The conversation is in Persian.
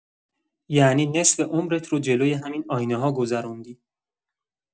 یعنی نصف عمرت رو جلوی همین آینه‌ها گذروندی.